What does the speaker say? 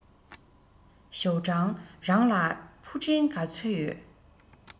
ཞའོ ཀྲང རང ལ ཕུ འདྲེན ག ཚོད ཡོད